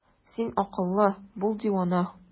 Син акыллы, бул дивана!